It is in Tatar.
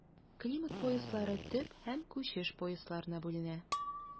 Климат пояслары төп һәм күчеш поясларына бүленә.